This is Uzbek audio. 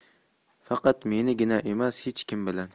faqat menigina emas xech kim bilan